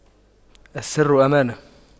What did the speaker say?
السر أمانة